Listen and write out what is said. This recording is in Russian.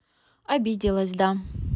обиделась да